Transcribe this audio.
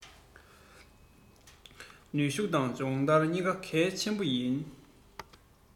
ནུས ཤུག དང སྦྱོང ལྟར གཉིས ཀ གལ ཆེན པོ ཡིན